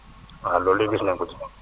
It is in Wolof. waaw loolu yëpp gis nañu ko si